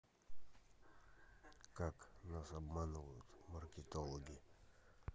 как нас обманывают маркетологи